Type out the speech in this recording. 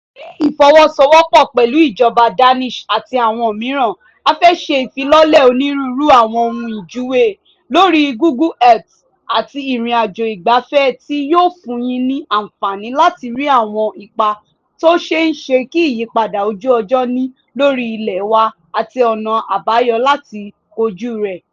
Ní ìfọwọ́sowọ̀pọ̀ pẹ̀lú ìjọba Danish àti àwọn míràn, a fẹ́ ṣe ìfilọ́lẹ̀ onírúurú àwọn ohun ìjúwe lóri Google Earth àti ìrìnàjò ìgbáfẹ́ tí yòó fún yín ní anfààní látí rí àwọn ipa tó ṣeé ṣe kí ìyípadà ojú ọjọ́ ní lórí ilẹ̀ wa àti ọ̀nà àbáyọ láti kojú rẹ̀.